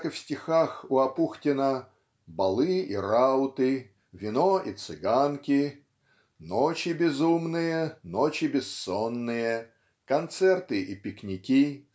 так и в стихах у Апухтина -- балы и рауты вино и цыганки ночи безумные ночи бессонные концерты и пикники